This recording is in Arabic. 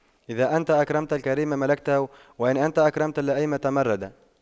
إذا أنت أكرمت الكريم ملكته وإن أنت أكرمت اللئيم تمردا